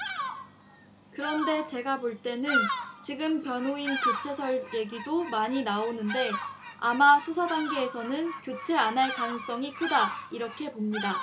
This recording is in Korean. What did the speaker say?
그런데 제가 볼 때는 지금 변호인 교체설 얘기도 많이 나오는데 아마 수사 단계에서는 교체 안 할 가능성이 크다 이렇게 봅니다